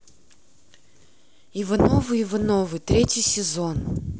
ивановы ивановы третий сезон